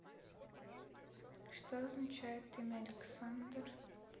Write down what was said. что означает имя александр